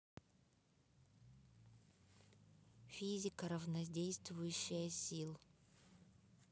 физика равнодействующая сил